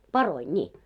paroja niin